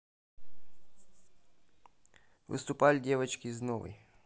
выступали девочки из новой